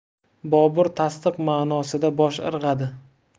bobur tasdiq manosida bosh irg'adi